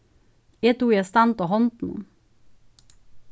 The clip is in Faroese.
eg dugi at standa á hondunum